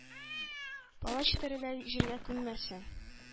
Палач тереләй җиргә күммәсен!..